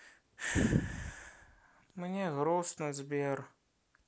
мне грустно сбер